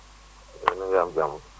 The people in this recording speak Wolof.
yéen a ngi am jàmm